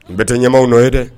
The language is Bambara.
N np tɛ ɲamaw nɔ ye dɛ